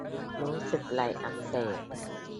รู้สึกไหล่อักเสบ